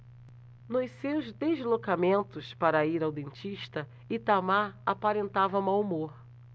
nos seus deslocamentos para ir ao dentista itamar aparentava mau humor